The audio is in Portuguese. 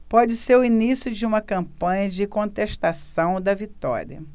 pode ser o início de uma campanha de contestação da vitória